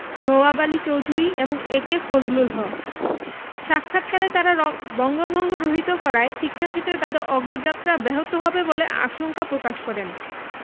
নওয়াব আলী চৌধুরী এবং এ.কে ফজলুল হক সাক্ষাৎকালে তাঁরা বঙ্গভঙ্গ রহিত করায় শিক্ষাক্ষেত্রে তাদের অগ্রযাত্রা ব্যাহত হবে বলে আশঙ্কা প্রকাশ করেন